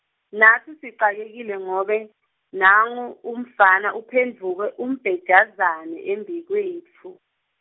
natsi sicakekile ngobe, nangu, umfana uphendvuke umbhejazane embikwetfu.